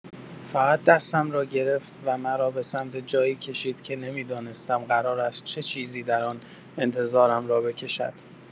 فقط دستم را گرفت و مرا به سمت جایی کشید که نمی‌دانستم قرار است چه چیزی در آن انتظارم را بکشد.